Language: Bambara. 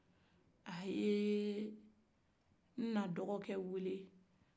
a ye ina dɔgɔkɛ wele